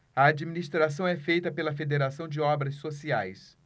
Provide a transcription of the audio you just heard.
a administração é feita pela fos federação de obras sociais